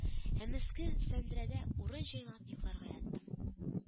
Һәм өске сәндерәдә урын җайлап, йокларга яттым